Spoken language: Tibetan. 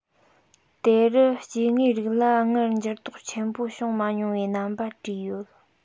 དེ རུ སྐྱེ དངོས རིགས ལ སྔར འགྱུར ལྡོག ཆེན པོ བྱུང མ མྱོང བའི རྣམ པ བྲིས ཡོད